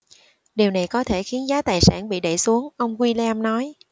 điều này có thể khiến giá tài sản bị đẩy xuống ông williams nói